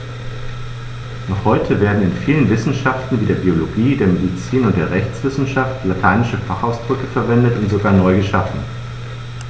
Noch heute werden in vielen Wissenschaften wie der Biologie, der Medizin und der Rechtswissenschaft lateinische Fachausdrücke verwendet und sogar neu geschaffen.